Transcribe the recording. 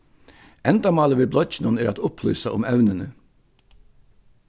endamálið við blogginum er at upplýsa um evnini